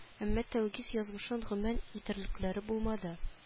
Әмма тәүгиз язмышын гөман итәрлекләре булмады